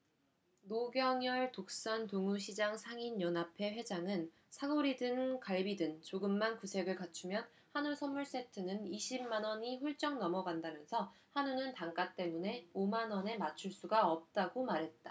노경열 독산동우시장상인연합회 회장은 사골이든 갈비든 조금만 구색을 맞추면 한우 선물세트는 이십 만 원이 훌쩍 넘어간다면서 한우는 단가 때문에 오 만 원에 맞출 수가 없다고 말했다